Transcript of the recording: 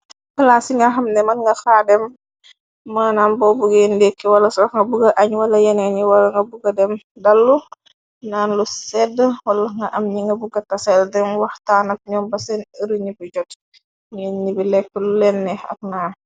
Plaas ci nga xamne mën nga xaa dem mënam boo bugee ndekke wala sox nga buga añ wala yenee ñi wara nga buga dem dallu naan lu sedd wala nga am ñi nga bugga taseel dem wax taanak ñoom ba seen ëru ñi bi jot ngeen ñi bi lekk lu leenne ak naam.